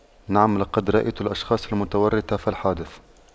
نعم لقد رأيت الأشخاص المتورطة في الحادث